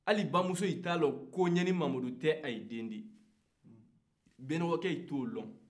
ali bamusow t'a dɔn k'o ɲani mamadu tɛ u den ye bɛnɔgɔcɛ t'o dɔn